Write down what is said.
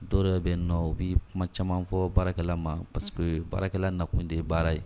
Dɔw de bɛ n nɔ u bɛ kuma caman fɔ baarakɛla ma parce que ye baarakɛla nakun de ye baara ye